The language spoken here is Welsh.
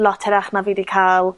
lot hirach na fi 'di ca'l